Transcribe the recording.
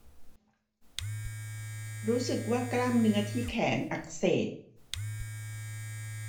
รู้สึกว่ากล้ามเนื้อที่แขนอักเสบ